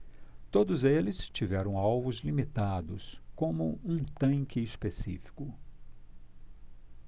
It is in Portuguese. todos eles tiveram alvos limitados como um tanque específico